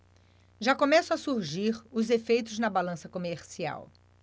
já começam a surgir os efeitos na balança comercial